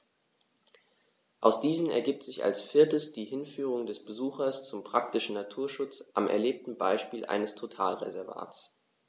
Aus diesen ergibt sich als viertes die Hinführung des Besuchers zum praktischen Naturschutz am erlebten Beispiel eines Totalreservats.